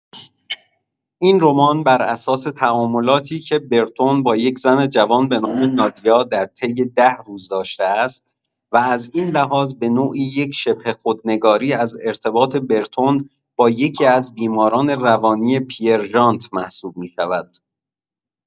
این رمان براساس تعاملاتی که برتون با یک زن جوان به نام نادیا در طی ده روز داشته است و از این لحاظ به‌نوعی یک‌شبه خودنگاری از ارتباط برتون با یکی‌از بیماران روانی پی‌یر ژانت محسوب می‌شود.